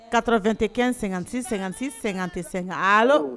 Ka dɔrɔn2 tɛ kɛ sɛgɛn- sɛgɛn- sɛgɛn tɛ sɛgɛn